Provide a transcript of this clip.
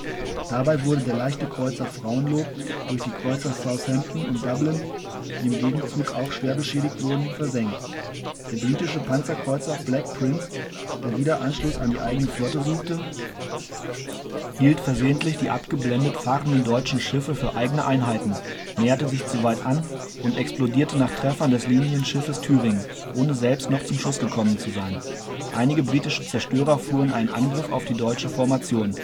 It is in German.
Dabei wurde der leichte Kreuzer Frauenlob durch die Kreuzer Southampton und Dublin, die im Gegenzug auch schwer beschädigt wurden, versenkt. Der britische Panzerkreuzer Black Prince, der wieder Anschluss an die eigene Flotte suchte, hielt versehentlich die abgeblendet fahrenden deutschen Schiffe für eigene Einheiten, näherte sich zu weit an und explodierte nach Treffern des Linienschiffes Thüringen, ohne selbst noch zum Schuss gekommen zu sein. Einige britische Zerstörer fuhren einen Angriff auf die deutsche Formation